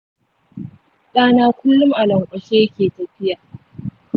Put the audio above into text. ɗana kullum a lankwashe ya ke tafiya.